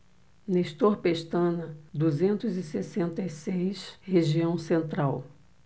nestor pestana duzentos e sessenta e seis região central